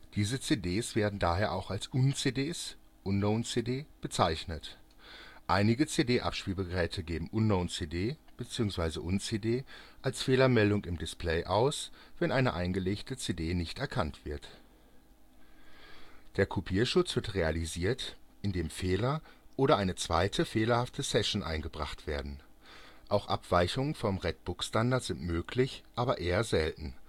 Diese CDs werden daher auch als „ Un-CDs “(Unknown CD) bezeichnet. Einige CD-Abspielgeräte geben Unknown CD (bzw. Un-CD) als Fehlermeldung im Display aus, wenn eine eingelegte CD nicht erkannt wird. Der Kopierschutz wird realisiert, indem Fehler oder eine zweite fehlerhafte Session eingebracht werden. Auch Abweichungen vom Red Book-Standard sind möglich aber eher selten